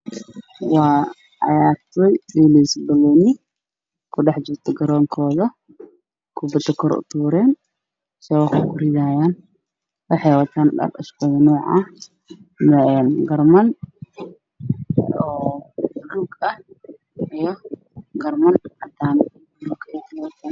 Waa garoon waxaa jooga niman iyo waxay dheelayaan basketball